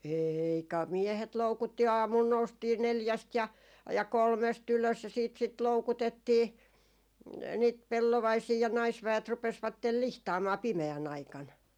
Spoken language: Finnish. ei kai miehet loukutti aamulla noustiin neljästä ja ja kolmesta ylös ja sitten sitä loukutettiin niitä pellovaisia ja naisväet rupesivat lihtaamaan pimeän aikana